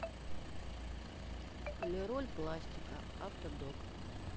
полироль пластика автодок